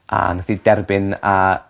A nath 'i derbyn a